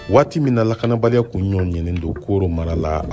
waati min na lakanabaliya kologɛlɛyalen don koro mara la